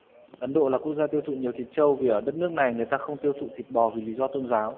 ấn độ là quốc gia tiêu thụ nhiều thịt trâu vì ở đất nước ngày người ta không tiêu thụ thịt bò vì lý do tôn giáo